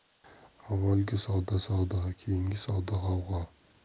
avvalgi savdo savdo keyingi savdo g'avg'o